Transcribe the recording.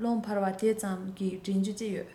རླུང འཕར བ དེ ཙམ གས དྲིན རྒྱུ ཅི ཡོད